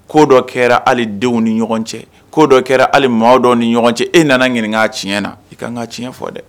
Ko dɔ kɛra hali denw ni ɲɔgɔn cɛ ko dɔ kɛra hali maadɔ ni ɲɔgɔn cɛ e nana ɲininka'a tiɲɛ na i ka kanan ka tiɲɛ fɔ dɛ